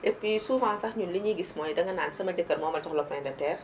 et puis souvent sax ñun li ñuy gis mooy danga naan sama jëkkër mooma jox lopin de terre